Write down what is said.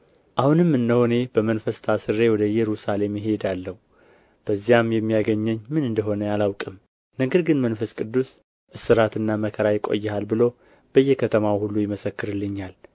አሁንም እነሆ እኔ በመንፈስ ታስሬ ወደ ኢየሩሳሌም እሄዳለሁ በዚያም የሚያገኘኝ ምን እንደ ሆነ አላውቅም ነገር ግን መንፈስ ቅዱስ እስራትና መከራ ይቆይሃል ብሎ በየከተማው ሁሉ ይመሰክርልኛል